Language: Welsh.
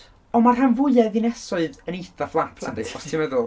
Ond mae'r rhan fwyaf o ddinasoedd yn eitha fflat os ti'n meddwl.